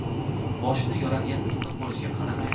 boshni yoradigan issiq bo'lishiga qaramay